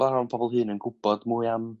ma' anan pobol hŷn yn gwbod mwy am